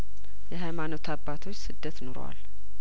የሀይማኖት አባቶች ሰደትንሯል